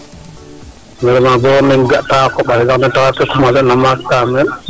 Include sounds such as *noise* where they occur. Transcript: *unintelligible* Vraiment ne ga'ta a koƥ ale ne taxar ke commencer na maak taa neen.